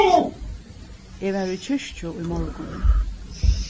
eg var í kirkju í morgun